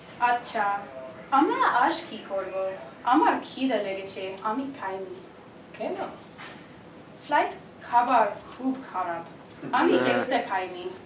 আচ্ছা আজ কি করব আমার খিদে লেগেছে আমি খাইনি কেন ফ্লাইট খাবার খুব খারাপ আমি একটা খাইনি